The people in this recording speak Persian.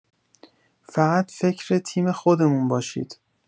فقط فکر تیم خودمون باشید